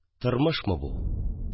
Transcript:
Тормышмы бу